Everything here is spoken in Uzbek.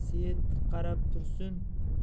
seit qarab tursin